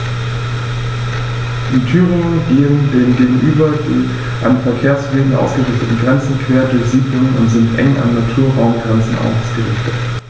In Thüringen gehen dem gegenüber die an Verkehrswegen ausgerichteten Grenzen quer durch Siedlungen und sind eng an Naturraumgrenzen ausgerichtet.